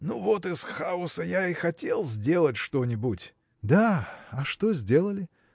ну, вот из хаоса я и хотел сделать что-нибудь. – Да! а что сделали?